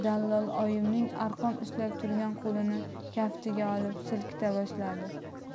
dallol oyimning arqon ushlab turgan qo'lini kaftiga olib silkita boshladi